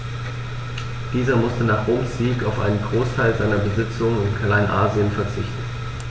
Dieser musste nach Roms Sieg auf einen Großteil seiner Besitzungen in Kleinasien verzichten.